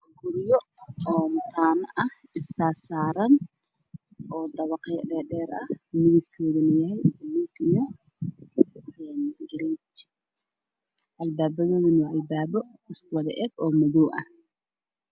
guryo oo mañana ahtana ah isisarsaran oo dabaqyo dhadher ah midabkoduna yahay bulug albabadoduna iskuwada ek oo madow ah